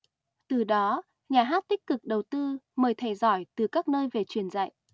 từ đó nhà hát tích cực đầu tư mời thầy giỏi từ các nơi về truyền dạy